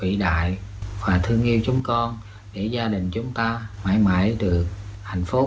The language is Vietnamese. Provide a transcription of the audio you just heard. vĩ đại và thương yêu chúng con để gia đình chúng ta mái mái được hạnh phúc